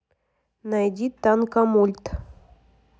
найди танкомульт